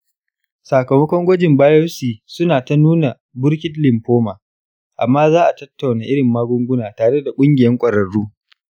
sakamakon gwajin biopsy suna ta nuna burkitt lymphoma, amma za'a tattauna irin magunguna tare da ƙungiyan ƙwararru.